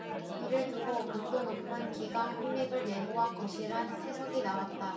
이를 두고 강도 높은 기강 확립을 예고한 것이란 해석이 나왔다